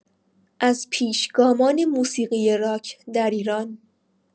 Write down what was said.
از پیشگامان موسیقی راک در ایران